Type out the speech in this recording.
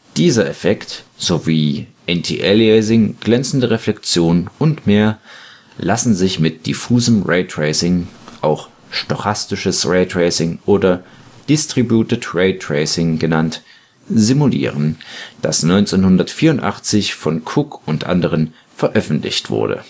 Dieser Effekt, sowie Antialiasing, glänzende Reflexion und mehr, lassen sich mit diffusem Raytracing (auch stochastisches Raytracing oder distributed ray tracing genannt) simulieren, das 1984 von Cook u. a. veröffentlicht wurde